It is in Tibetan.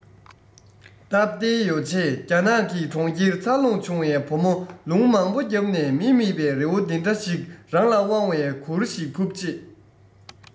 སྟབས བདེའི ཡོ བྱད རྒྱ ནག གི གྲོང ཁྱེར འཚར ལོངས བྱུང བའི བུ མོ ལུང མང པོ བརྒྱབ ནས མི མེད པའི རི བོ འདི འདྲ ཞིག རང ལ དབང བའི གུར ཞིག ཕུབ རྗེས